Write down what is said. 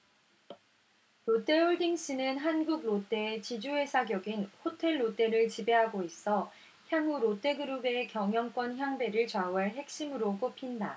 롯데홀딩스는 한국 롯데의 지주회사격인 호텔롯데를 지배하고 있어 향후 롯데그룹의 경영권 향배를 좌우할 핵심으로 꼽힌다